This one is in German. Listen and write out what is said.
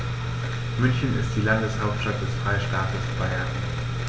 München ist die Landeshauptstadt des Freistaates Bayern.